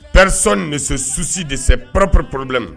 Personne ne se soucie de ses propres